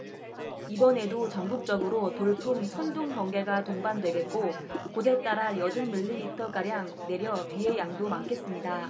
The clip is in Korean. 이번에도 전국적으로 돌풍 천둥 번개가 동반되겠고 곳에 따라 여든 밀리미터 가량 내려 비의 양도 많겠습니다